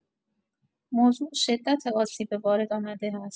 موضوع شدت آسیب وارد آمده است.